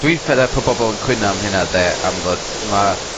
Dwi'n fed up o bobol yn cwyno am hyna 'de am fod ma'